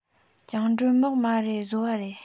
བཅིངས འགྲོལ དམག མ རེད བཟོ བ རེད